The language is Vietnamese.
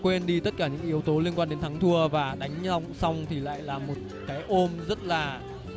quên đi tất cả những yếu tố liên quan đến thắng thua và đánh nhau xong thì lại là một cái ôm rất là